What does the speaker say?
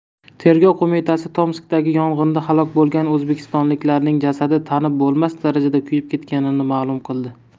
tergov qo'mitasi tomskdagi yong'inda halok bo'lgan o'zbekistonliklarning jasadi tanib bo'lmas darajada kuyib ketganini ma'lum qildi